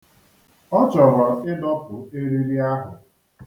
Ọ chọrọ ịdọpụ eriri ahu.